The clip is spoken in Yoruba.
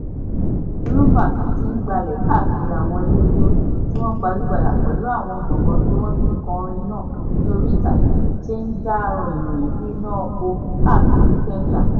Orin Rhumba tún ti ń gbalẹ̀ káàkiri àwọn ilé-ijó tí wọ́n gbajúgbajà pẹ̀lú bí àwọn gbọ̀ngán tí wọ́n ti ń kọ orin náà ní orí ìtàgé ṣe ti ń jà ròhìnròhìn bíi iná oko káàkiri Kenya.